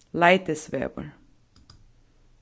leitisvegur